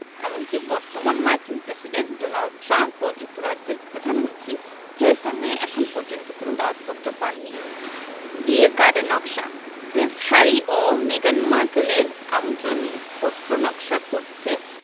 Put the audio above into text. এমনকি বর্তমান মার্কিন প্রেসিডেন্ট ডোনাল্ড ট্রাম্প ও যুক্তরাজ্যের প্রধানমন্ত্রী থেরেসা মে এখন পর্যন্ত কোনো দাওয়াতপত্র পাননি বিয়ের কার্ডের নকশা প্রিন্স হ্যারি ও মেগান মার্কেলের আমন্ত্রণপত্র নকশা করছে